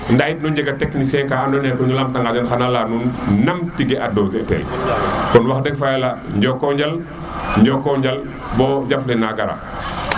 nda it nu njega technicien ka ando na ye nu lam ta ngana den xana leya nuun nam tige a doser tel kon wax deg fa yala njoko njal njoko njal bo jaf le na gara